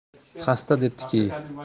xasta debdiki